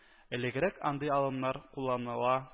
Элегрәк андый алымнар кулланыла